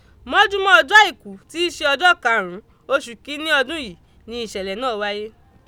Mọ́júmọ́ ọjọ́ Àìkú tíí ṣe ọjọ́ karùn ún oṣù kìíní ọdún yìí ni ìṣẹ̀lẹ̀ náà wáyé.